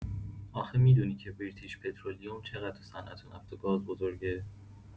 آخه می‌دونی که بریتیش‌پترولیوم چقدر تو صنعت‌نفت و گاز بزرگه؟